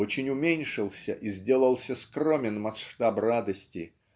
Очень уменьшился и сделался скромен масштаб радости